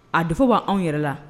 A de b' anw yɛrɛ la